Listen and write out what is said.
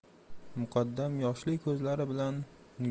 muqaddam yoshli ko'zlari